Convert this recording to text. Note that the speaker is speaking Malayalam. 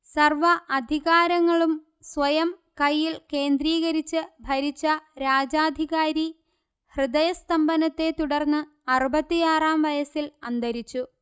സർവ അധികാരങ്ങളും സ്വന്തം കയ്യിൽ കേന്ദ്രീകരിച്ച് ഭരിച്ച രാജാധികാരി ഹൃദയ സ്തംഭനത്തെ തുടർന്ന്അറുപത്തിയാറാം വയസ്സിൽ അന്തരിച്ചു